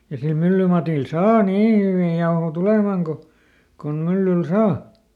ja sillä myllymatilla saa niin hyviä jauhoja tulemaan kuin kuin myllyllä saa